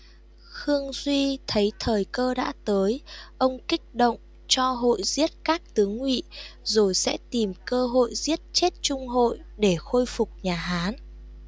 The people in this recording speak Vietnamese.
khương duy thấy thời cơ đã tới ông kích động cho hội giết các tướng ngụy rồi sẽ tìm cơ hội giết chết chung hội để khôi phục nhà hán